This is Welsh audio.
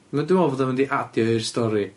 Ma- dwi'n me'wl bod o'n mynd i adio i'r stori.